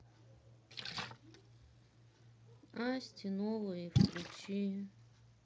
асти новые включи